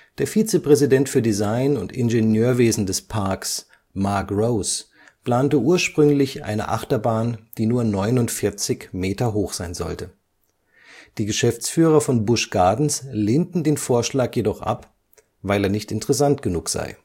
Der Vizepräsident für Design und Ingenieurwesen des Parks, Mark Rose, plante ursprünglich eine Achterbahn, die nur 49 Meter hoch sein sollte. Die Geschäftsführer von Busch Gardens lehnten den Vorschlag jedoch ab, weil er nicht interessant genug sei